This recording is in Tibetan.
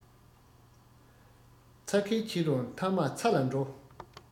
ཚྭ ཁའི ཁྱི རོ མཐའ མ ཚྭ ལ འགྲོ